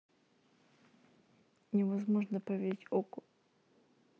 невозможно поверить okko